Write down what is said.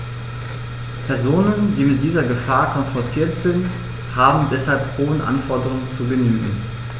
Personen, die mit dieser Gefahr konfrontiert sind, haben deshalb hohen Anforderungen zu genügen.